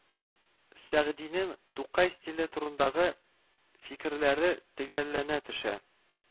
Сәгъдинең Тукай стиле турындагы фикерләре төгәлләнә төшә